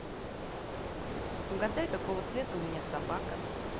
угадай какого цвета у меня собака